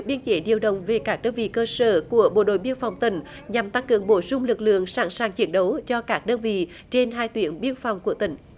biên chế điều động về các đơn vị cơ sở của bộ đội biên phòng tỉnh nhằm tăng cường bổ sung lực lượng sẵn sàng chiến đấu cho các đơn vị trên hai tuyến biên phòng của tỉnh